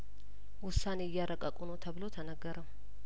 ውሳኔ እያረቀቁ ነው ተብሎ ተነገረው